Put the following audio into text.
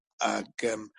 ag yym